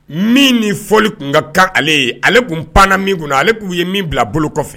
Min ni fɔli tun ka kan ale ye ale tun pan min kun ale k'u ye min bila bolo kɔfɛ